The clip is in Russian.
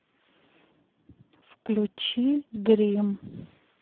включи гримм